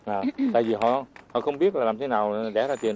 à tại dì họ họ không biết là làm thế nào đẻ ra tiền